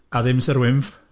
A ddim Sir Wynff.